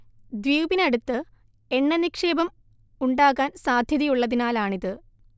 ദ്വീപിനടുത്ത് എണ്ണ നിക്ഷേപം ഉണ്ടാകാൻ സാദ്ധ്യതയുള്ളതിനാലാണിത്